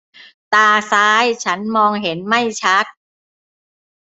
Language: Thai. ตาซ้ายฉันมองเห็นไม่ชัด